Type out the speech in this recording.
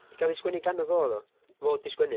'Di gael ei sgwennu gan y fo oedd o? Fo oedd 'di sgwennu...